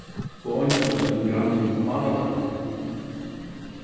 og eingin av tínum grannum ána tað